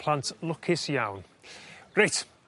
Plant lwcus iawn. Reit.